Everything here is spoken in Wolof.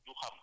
voilà